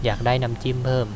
อยากได้น้ำจิ้มเพิ่ม